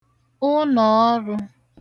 ụnọọrụ̄